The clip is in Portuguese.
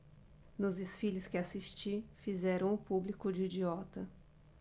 nos desfiles que assisti fizeram o público de idiota